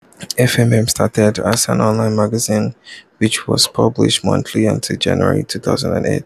FMM started as an online magazine, which we published monthly until January 2008.